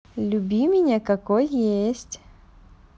люби меня какой есть